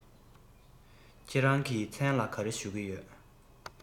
ཁྱེད རང གི མཚན ལ ག རེ ཞུ གི ཡོད